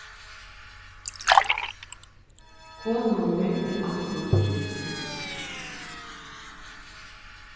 kona mín er alt mítt lív